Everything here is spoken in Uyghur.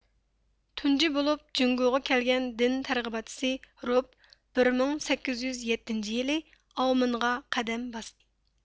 تۇنجى بولۇپ جۇڭگوغا كەلگەن دىن تەرغىباتچىسى روب بىر مىڭ سەككىز يۈز يەتتىنچى يىلى ئاۋمېنغا قەدەم باستى